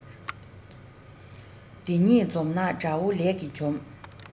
དེ གཉིས འཛོམས ན དགྲ བོ ལས ཀྱིས འཇོམས